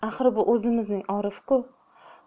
axir bu o'zimizning orif ku